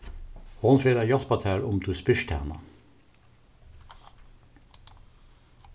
hon fer at hjálpa tær um tú spyrt hana